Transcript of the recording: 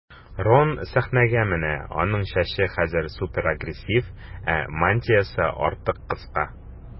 Рон сәхнәгә менә, аның чәче хәзер суперагрессив, ә мантиясе артык кыска.